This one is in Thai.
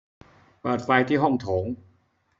เปิดไฟที่ห้องโถง